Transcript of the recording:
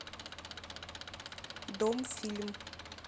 дом фильм